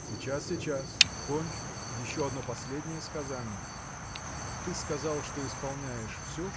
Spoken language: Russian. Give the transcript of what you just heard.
– Сейчас, сейчас, кончу – еще одно, последнее сказанье! Ты сказал что исполняешь все